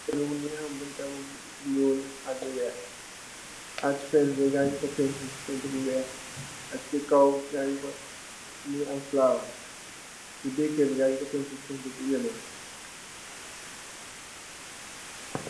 Fi mogi am bunta bu nuul ak lu weex ak fence bi ay nyun ko painturr painturr bu weex ak si kaw gaay nung ku mogi am folower si birr keur bi gaay nung fa painturr painturr bu yellow.